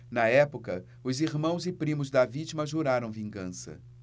na época os irmãos e primos da vítima juraram vingança